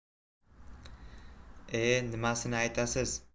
e nimasini aytasiz